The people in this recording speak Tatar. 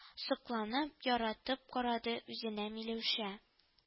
Сокланып, яратып карады үзенә миләүшә